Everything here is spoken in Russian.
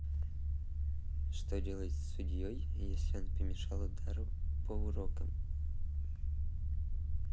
что делать с судьей если он помешал удару по урокам